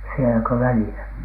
sielläkö välillä